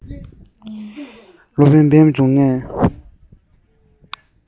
སློབ དཔོན པད མ འབྱུང ནས